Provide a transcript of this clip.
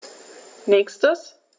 Nächstes.